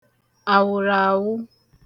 àwụraawụ